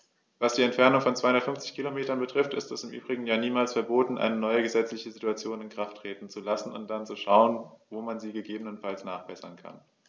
Was die Entfernung von 250 Kilometern betrifft, ist es im Übrigen ja niemals verboten, eine neue gesetzliche Situation in Kraft treten zu lassen und dann zu schauen, wo man sie gegebenenfalls nachbessern kann.